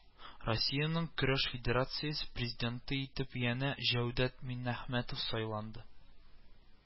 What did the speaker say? Россиянең көрәш федерациясе президенты итеп янә Җәүдәт Миннәхмәтов сайланды